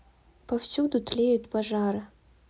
повсюду тлеют пожары